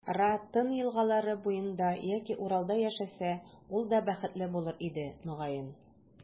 Ра, Тын елгалары буенда яки Уралда яшәсә, ул да бәхетле булыр иде, мөгаен.